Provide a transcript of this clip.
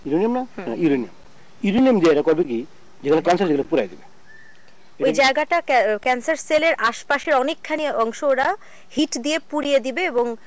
uranium না হুম হুম ইউরেনিয়াম ইউরেনিয়াম দিয়ে করবে কি যেখানে ক্যান্সার ছিলো সে গুলা কে পোড়ায় দিবে ওই জায়গাটা ক্যান্সার সেলের আশপাশের অনেকখানি অংশ ওরা হিট দিয়ে পুড়িয়ে দিবে এবং